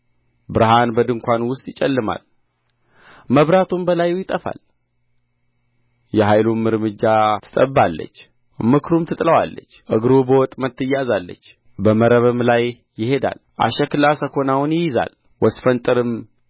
ብርሃን በድንኳኑ ውስጥ ይጨልማል መብራቱም በላዩ ይጠፋል የኃይሉም እርምጃ ትጠብባለች ምክሩም ትጥለዋለች እግሩ በወጥመድ ትያዛለች በመረብም ላይ ይሄዳል አሽክላ ሰኰናውን ይይዛል ወስፈንጠርም